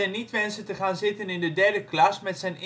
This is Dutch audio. niet wenste te gaan zitten in de derde klas met zijn